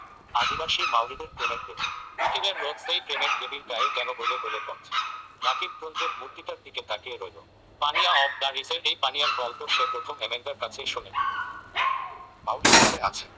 আদিবাসী মাউরিদের প্রেমের দেবী বিকেলের রোদ সেই প্রেমের দেবীর গায়ে যেন গলে গলে পড়ছে রাকিব ব্রোঞ্জের মূর্তিটার দিকে তাকিয়ে রইল পানিয়া অব দ্য রিফের এই পানিয়ার গল্প সে প্রথম এমেন্ডার কাছেই শোনে মাউরি মিথে আছে